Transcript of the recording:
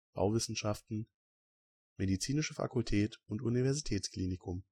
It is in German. Bauwissenschaften Medizinische Fakultät und Universitätsklinikum